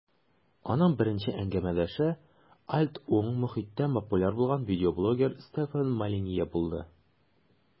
Аның беренче әңгәмәдәше "альт-уң" мохиттә популяр булган видеоблогер Стефан Молинье булды.